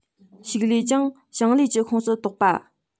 ཕྱུགས ལས ཀྱང ཞིང ལས ཀྱི ཁོངས སུ གཏོགས པ